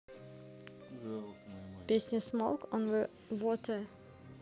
песня smoke on the water